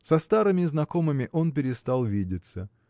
Со старыми знакомыми он перестал видеться